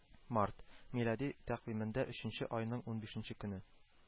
Март – милади тәкъвимендә өченче айның унбишенче көне